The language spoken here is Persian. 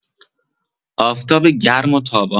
آفتاب گرم و تابان